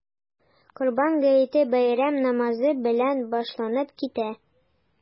Корбан гаете бәйрәм намазы белән башланып китә.